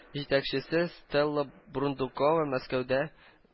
Җитәкчесе стелла брундукова мәскәүдә